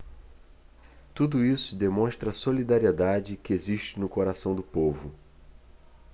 tudo isso demonstra a solidariedade que existe no coração do povo